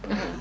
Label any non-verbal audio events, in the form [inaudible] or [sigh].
[hesitation] [hesitation]